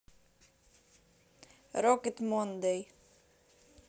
rocket monday